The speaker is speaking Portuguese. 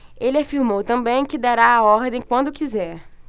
ele afirmou também que dará a ordem quando quiser